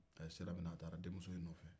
a ye sira mina a taara denmuso in nɔfɛ